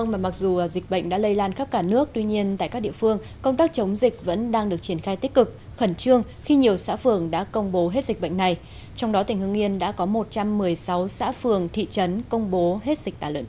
vâng mà mặc dù dịch bệnh đã lây lan khắp cả nước tuy nhiên tại các địa phương công tác chống dịch vẫn đang được triển khai tích cực khẩn trương khi nhiều xã phường đã công bố hết dịch bệnh này trong đó tỉnh hưng yên đã có một trăm mười sáu xã phường thị trấn công bố hết dịch tả lợn